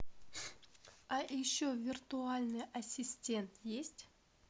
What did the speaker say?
а еще виртуальный ассистент есть